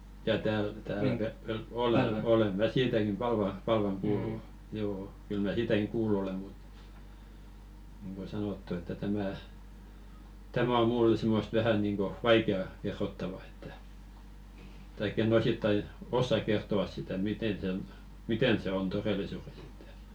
jaa täällä täällä -- olen olen minä siitäkin Palva Palvan puoli on joo kyllä minä siitäkin kuullut olen mutta niin kuin sanottu että tämä tämä on minulle semmoista vähän niin kuin vaikeaa kerrottavaa että tai en osittain osaa kertoa sitä miten sen miten se on todellisuudessa että